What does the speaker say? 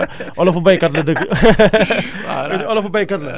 waa loolu moom wax dëgg yàlla olofu baykat la dëgg